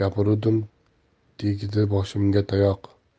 gapiruvdim tegdi boshimga tayoq